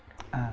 à